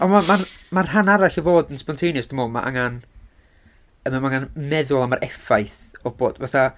Ond ma' ma' ma' rhan arall o fod yn spontaneous, dwi'n meddwl. Ma' angen... ma' angen meddwl am yr effaith o bod fatha...